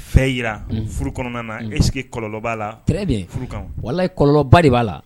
Fɛn yira furu kɔnɔna na ese kɔlɔnba la bɛ kan wala kɔlɔnba de b'a la